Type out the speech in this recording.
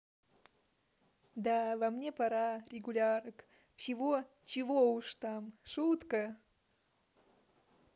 да во мне пора регулярок всего чего уж там шутка